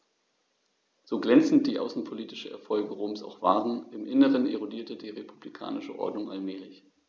So glänzend die außenpolitischen Erfolge Roms auch waren: Im Inneren erodierte die republikanische Ordnung allmählich.